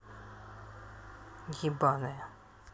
ебаная